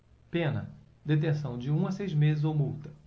pena detenção de um a seis meses ou multa